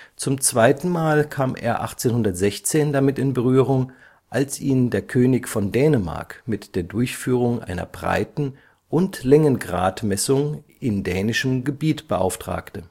Zum zweiten Mal kam er 1816 damit in Berührung, als ihn der König von Dänemark mit der Durchführung einer Breiten - und Längengradmessung in dänischem Gebiet beauftragte